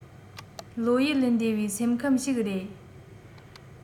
བློ ཡུལ ལས འདས པའི སེམས ཁམས ཞིག རེད